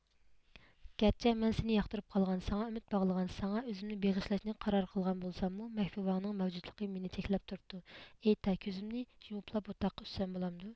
گەرچە مەن سېنى ياقتۇرۇپ قالغان ساڭا ئۈمۈد باغلىغان ساڭا ئۆزۈمنى بېغىشلاشنى قارار قىلغان بولساممۇ مەھبۇبەڭنىڭ مەۋجۇتلۇقى مېنى چەكلەپ تۇرۇپتۇ ئېيتە كۆزۈمنى يۇمۇپلا بۇ تاغقا ئۈسسەم بولامدۇ